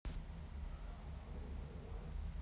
молочный врач чтобы ты сдох